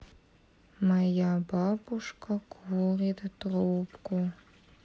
моя бабушка курит трубку